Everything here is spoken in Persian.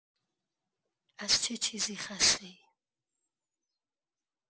از چه چیزی خسته‌ای؟